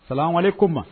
Kalanwale ko ma